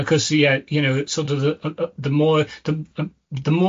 Because yeah, you know, sort of the yy yy, the more the th- the more